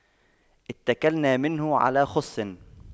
اتَّكَلْنا منه على خُصٍّ